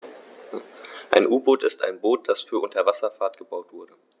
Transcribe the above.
Ein U-Boot ist ein Boot, das für die Unterwasserfahrt gebaut wurde.